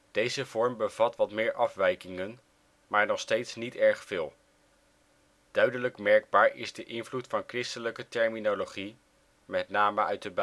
Deze vorm bevat wat meer afwijkingen, maar nog steeds niet erg veel. Duidelijk merkbaar is de invloed van christelijke terminologie (Bijbel